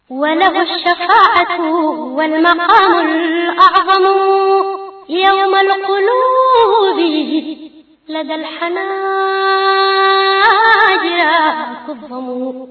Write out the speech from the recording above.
We wakuma tilela